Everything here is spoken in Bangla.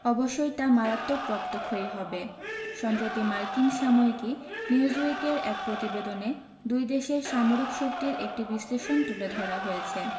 অবশ্যই তা মারাত্মক রক্তক্ষয়ী হবে সম্প্রতি মার্কিন সাময়িকী নিউজউইকের এক প্রতিবেদনে দুই দেশের সামরিক শক্তির একটি বিশ্লেষণ তুলে ধরা হয়েছে